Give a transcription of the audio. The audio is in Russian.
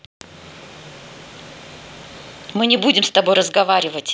мы не будем с тобой разговаривать